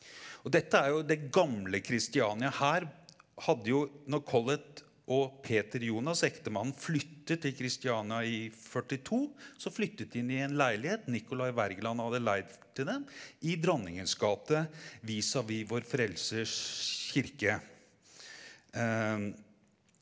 og dette er jo det gamle Christiania her hadde jo når Collett og Peter Jonas ektemannen flyttet til Christiania i 42 så flyttet de inn i en leilighet Nicolai Wergeland hadde leid til dem i Dronningens gate vis-a-vis Vår Frelsers kirke .